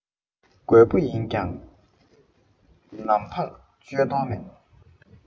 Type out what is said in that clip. རྒོད པོ ཡིན ཀྱང ནམ འཕང གཅོད མདོག མེད